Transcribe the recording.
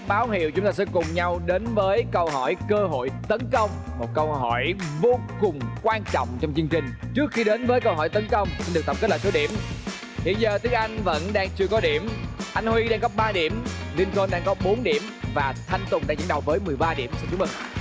báo hiệu chúng ta sẽ cùng nhau đến với câu hỏi cơ hội tấn công một câu hỏi vô cùng quan trọng trong chương trình trước khi đến với câu hỏi tấn công xin được tổng kết lại cứ điểm hiện giờ tuấn anh vẫn đang chưa có điểm anh huy đang có ba điểm liên côn đang có bốn điểm và thanh tùng đang dẫn đầu với mười ba điểm xin chúc mừng